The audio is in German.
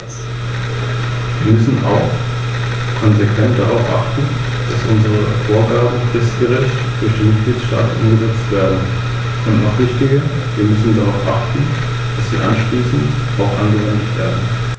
Der Grund ist, dass einige Mitgliedstaaten - auch Italien und Spanien - die Annahme des geplanten dreisprachigen Übersetzungssystems mehrfach abgelehnt haben, das sich letztendlich tatsächlich als diskriminierend erweisen würde, da es eklatant gegen den Grundsatz der Gleichstellung aller Amtssprachen der Europäischen Union verstoßen hätte.